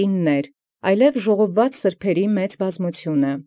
Զոր ի վերնոյն յիշեցաք, և բազում ամբոխից սրբոց ժողովոց։